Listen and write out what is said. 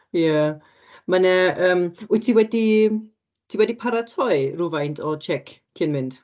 Ie mae 'na yym... wyt ti wedi ti wedi paratoi rywfaint o Czech cyn mynd?